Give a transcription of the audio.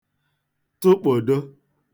tụkpòdo